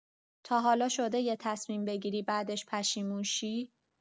تا حالا شده یه تصمیم بگیری بعدش پشیمون شی؟